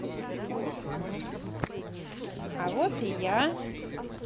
а вот я